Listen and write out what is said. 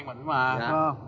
mình ấy mà